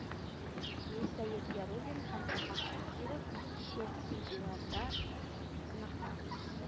Мирсәет Яруллин һәм Илһам Шакиров щепкинчыларда кунакта